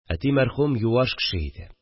– әти мәрхүм юаш кеше иде